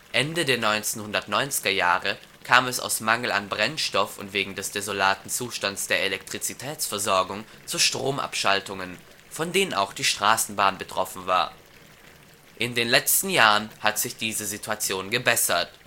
Ende der 1990er Jahre kam es aus Mangel an Brennstoff und wegen des desolaten Zustands der Elektrizitätsversorgung zu Stromabschaltungen, von denen auch die Straßenbahn betroffen war. In den letzten Jahren hat sich diese Situation gebessert